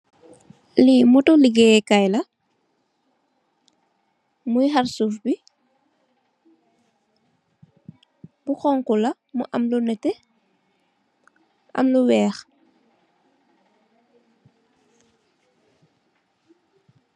li moto ligeyekaila moi xar soufe ci bou xonxula mu am lu nete am lu wex